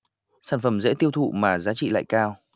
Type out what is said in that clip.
sản phẩm dễ tiêu thụ mà giá trị lại cao